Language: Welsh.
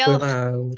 Hwyl fawr.